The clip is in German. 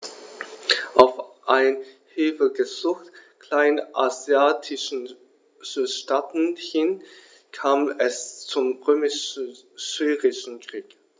Auf ein Hilfegesuch kleinasiatischer Staaten hin kam es zum Römisch-Syrischen Krieg.